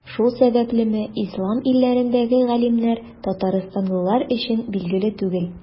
Шул сәбәплеме, Ислам илләрендәге галимнәр Татарстанлылар өчен билгеле түгел.